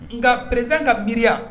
Nga président ka miiriya